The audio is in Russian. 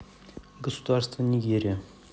государство нигерия